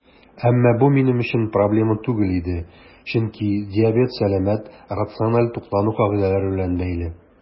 Әмма бу минем өчен проблема түгел иде, чөнки диабет сәламәт, рациональ туклану кагыйдәләре белән бәйле.